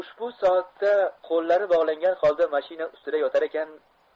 ushbu soatda qo'llari bogiangan holda mashina ustida yotarkan